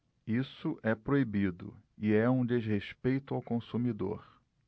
isso é proibido e é um desrespeito ao consumidor